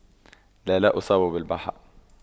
لا لا أصاب بالبحة